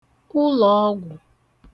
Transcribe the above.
ụlọ̀ọgwụ̀